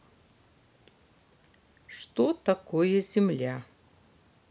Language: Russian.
что такое земля